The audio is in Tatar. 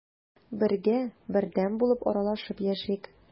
Бергә, бердәм булып аралашып яшик.